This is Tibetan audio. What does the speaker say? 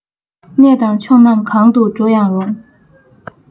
གནས དང ཕྱོགས རྣམས གང དུ འགྲོ ཡང རུང